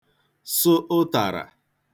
sụ ụtàrà